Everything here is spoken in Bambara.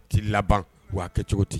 T'i laban waga'a kɛ cogo tɛ